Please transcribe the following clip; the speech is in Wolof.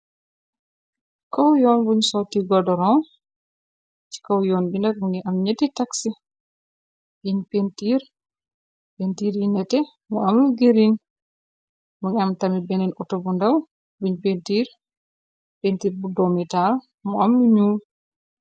kow yoon buñ sotti gordoron ci kow yoon bi ndak mu ngi am gñetti taxi biñ rpentiir yi nete mu amul giriñ mu ngi am tami beneen auto bu ndaw biñ pentiir pintiir bu domitaal mu am yu ñuul